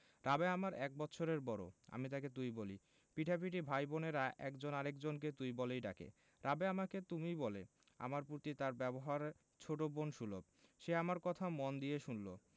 রাবেয়া আমার এক বৎসরের বড় আমি তাকে তুই বলি পিঠাপিঠি ভাই বোনের একজন আরেক জনকে তুই বলেই ডাকে রাবেয়া আমাকে তুমি বলে আমার প্রতি তার ব্যবহার ছোট বোন সুলভ সে আমার কথা মন দিয়ে শুনলো